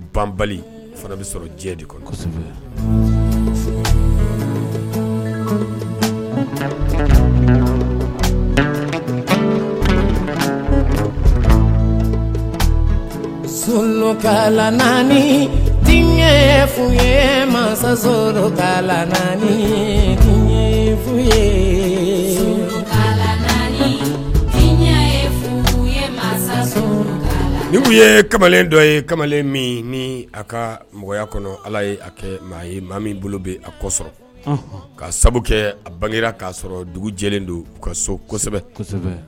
Ban fana bɛ sɔrɔ jɛ de sunani f ye mansa n ye kamalen dɔ ye kamalen min ni a ka mɔgɔya kɔnɔ ala ye kɛ maa ye maa min bolo bɛ a kɔsɔ ka sabu kɛ a bangera k'a sɔrɔ dugujɛlen don ka so kosɛbɛsɛbɛ